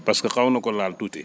parce que xaw na ko laal tuuti